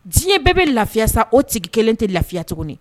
Diɲɛ bɛɛ bɛ lafiya sa o tigi kelen tɛ lafiya tuguni